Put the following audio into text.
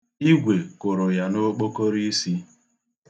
Igwe kụrụ ya n'okpokoroisi.